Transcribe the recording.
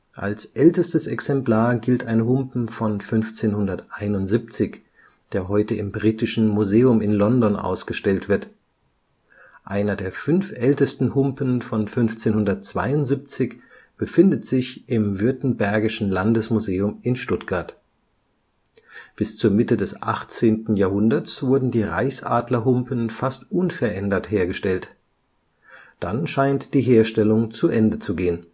Als ältestes Exemplar gilt ein Humpen von 1571, der heute im Britischen Museum in London ausgestellt wird. Einer der fünf ältesten Humpen von 1572 befindet sich im Württembergischen Landesmuseum in Stuttgart. Bis zur Mitte des 18. Jahrhunderts wurden die Reichsadlerhumpen fast unverändert hergestellt. Dann scheint die Herstellung zu Ende zu gehen